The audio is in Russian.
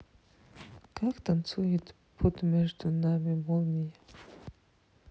как танцуют под между нами молния